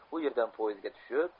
u yerdan poezdga tushib